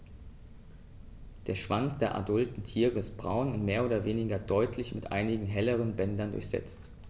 Der Schwanz der adulten Tiere ist braun und mehr oder weniger deutlich mit einigen helleren Bändern durchsetzt.